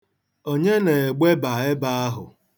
Onye na-egbeba ebe ahụ?